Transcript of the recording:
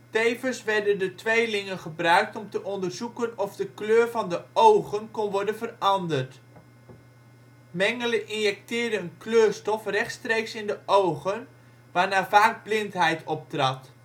Tevens werden de tweelingen gebruikt om te onderzoeken of de kleur van de ogen kon worden veranderd. Mengele injecteerde een kleurstof rechtstreeks in de ogen, waarna vaak blindheid optrad